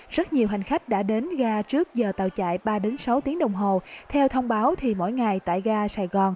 rất nhiều hành khách đã đến ga trước giờ tàu chạy ba đến sáu tiếng đồng hồ theo thông báo thì mỗi ngày tại ga sài gòn